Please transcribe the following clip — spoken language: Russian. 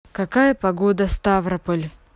какая погода ставрополь